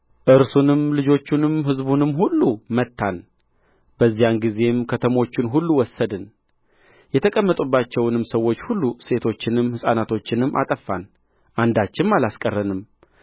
እርሱንም ልጆቹንም ሕዝቡንም ሁሉ መታንበዚያን ጊዜም ከተሞቹን ሁሉ ወሰድን የተቀመጡባቸውንም ሰዎች ሁሉ ሴቶችንም ሕፃናቶችንም አጠፋን አንዳችም አላስቀረንም